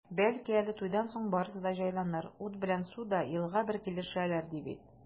Бәлки әле туйдан соң барысы да җайланыр, ут белән су да елга бер килешәләр, ди бит.